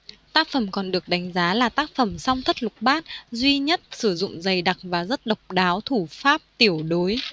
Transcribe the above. tác phẩm còn được đánh giá là tác phẩm song thất lục bát duy nhất sử dụng dày đặc và rất độc đáo thủ pháp tiểu đối